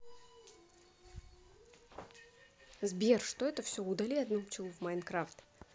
сбер что это все удали одну пчелу в minecraft